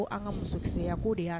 Ko an ka musokisɛya k'o de y'a kɛ.